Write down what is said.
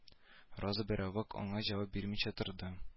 Роза беравык аңа җавап бирмичә торды